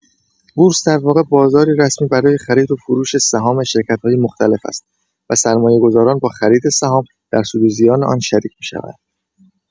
بورس در واقع بازاری رسمی برای خرید و فروش سهام شرکت‌های مختلف است و سرمایه‌گذاران با خرید سهام، در سود و زیان آن شرکت شریک می‌شوند.